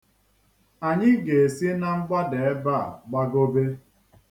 Anyị ga-esi na mgbada ebe a gbagobe.